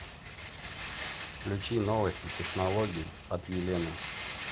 включи новости технологий от елены